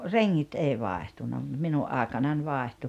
rengit ei vaihtunut mutta minun aikanani vaihtui